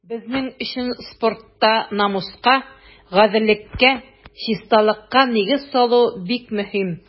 Безнең өчен спортта намуска, гаделлеккә, чисталыкка нигез салу бик мөһим.